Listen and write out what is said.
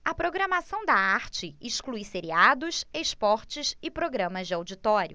a programação da arte exclui seriados esportes e programas de auditório